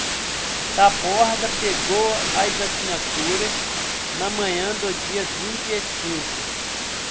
taborda pegou as assinaturas na manhã do dia vinte e cinco